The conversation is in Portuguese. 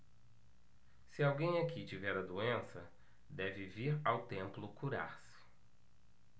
se alguém aqui tiver a doença deve vir ao templo curar-se